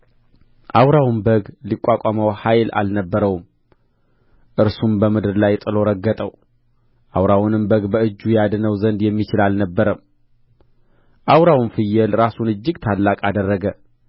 አውራውም በግ ሊቋቋመው ኃይል አልነበረውም እርሱም በምድር ላይ ጥሎ ረገጠው አውራውንም በግ ከእጁ ያድነው ዘንድ የሚችል አልነበረም አውራውም ፍየል ራሱን እጅግ ታላቅ አደረገ